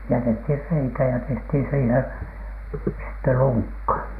jätettiin reikä ja tehtiin siihen sitten lunkka